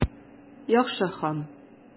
Яхшы, хан.